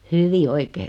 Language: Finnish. hyvin oikein